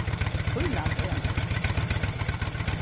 írland er ein oyggj